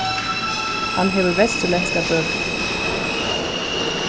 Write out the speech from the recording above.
hann hevur vesturlendskar bøkur